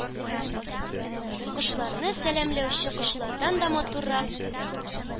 Кояшны сәламләүче кошлардан да матуррак ,